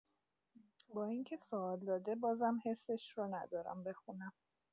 با اینکه سوال داده، بازم حسش رو ندارم بخونم